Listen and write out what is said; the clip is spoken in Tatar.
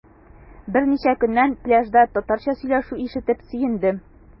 Берничә көннән пляжда татарча сөйләшү ишетеп сөендем.